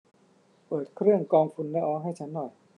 เปิดเครื่องกรองฝุ่นละอองให้ฉันหน่อย